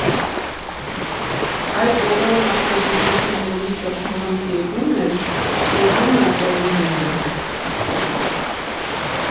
Այդ բոլոր մասնագիտությունների շփման կետում էլ ծնվում է բրենդինգը։